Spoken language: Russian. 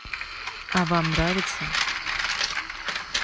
а вам нравится